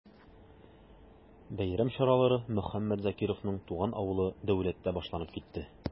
Бәйрәм чаралары Мөхәммәт Закировның туган авылы Дәүләттә башланып китте.